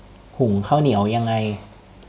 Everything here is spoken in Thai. หุงข้าวเหนียวยังไง